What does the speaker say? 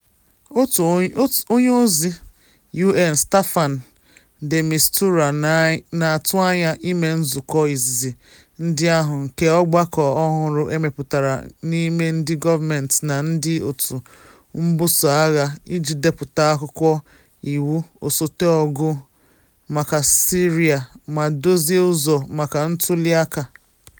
Onye ozi UN Staffan de Mistura na atụ anya ịme nzụkọ izizi ndị ahụ nke ọgbakọ ọhụrụ emepụtara n’ime ndị gọọmentị na ndị otu mbuso agha iji depụta akwụkwọ iwu osote ọgụ maka Syria ma dozie ụzọ maka ntuli aka.